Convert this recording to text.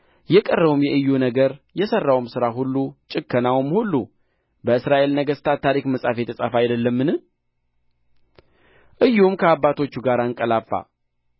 የቀረውም የኢዩ ነገር የሠራውም ሥራ ሁሉ ጭከናውም ሁሉ በእስራኤል ነገሥታት ታሪክ መጽሐፍ የተጻፈ አይደለምን ኢዩም ከአባቶቹ ጋር አንቀላፋ